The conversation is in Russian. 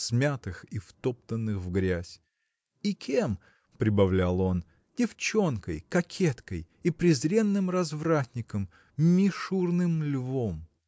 смятых и втоптанных в грязь – и кем? – прибавлял он – девчонкой кокеткой и презренным развратником мишурным львом.